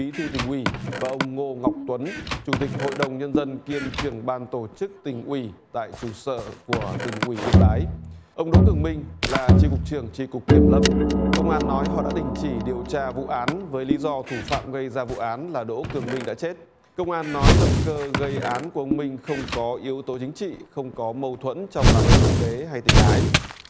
bí thư tỉnh ủy và ông ngô ngọc tuấn chủ tịch hội đồng nhân dân kiêm trưởng ban tổ chức tỉnh ủy tại trụ sở của tỉnh ủy yên bái ông đỗ cường minh là chi cục trưởng chi cục kiểm lâm công an nói họ đã đình chỉ điều tra vụ án với lý do thủ phạm gây ra vụ án là đỗ cường minh đã chết công an nói động cơ gây án của ông minh không có yếu tố chính trị không có mâu thuẫn trong làm ăn kinh tế hay tình ái